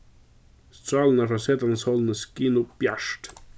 strálurnar frá setandi sólini skinu bjart